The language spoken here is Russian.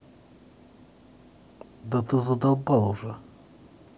да ты задолбал уже